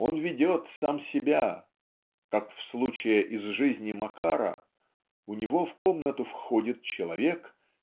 он ведет сам себя (как в "Случае из жизни Макара" у него в комнату входит человек